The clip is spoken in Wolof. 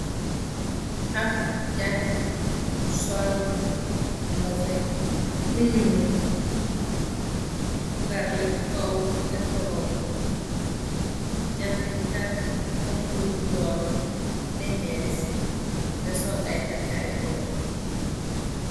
Ab janka bu sol mbaseñ bu ñyuul perla ci kaw defkoropbu jànka bi kàt deffa njool te xees te sol ay takkaayu oor.